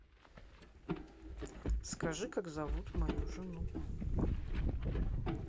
скажи как зовут мою жену